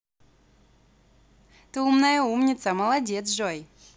ты умная умница молодец джой